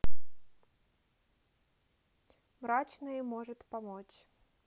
мрачные может помочь